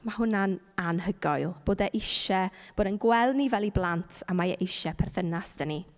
Ma' hwnna'n anhygoel, bod e isie... bod e'n gweld ni fel ei blant a mae e isie perthynas 'da ni.